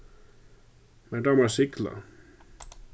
mær dámar at sigla